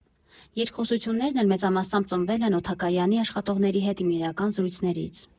Երկխոսություններն էլ մեծամասամբ ծնվել են օդակայանի աշխատողների հետ իմ իրական զրույցներից։